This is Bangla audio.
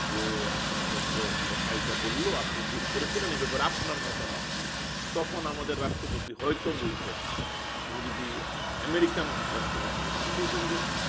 যে আপনার তো কথা এটা বলল আপনি ব্রিফ করেছিলেন এ ব্যাপারে আপনার মতামত কি তখন আমাদের রাষ্ট্রপতি হয়তো বলতেন উনি যদি এমেরিকান রাষ্ট্রপতি হইতেন বলতেন যে